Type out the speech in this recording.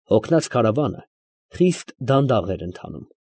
Հոգնած քարավանը խիստ դանդաղ էր ընթանում։